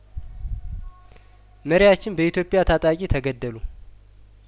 መሪያችን በኢትዮጵያ ታጣቂ ተገደሉ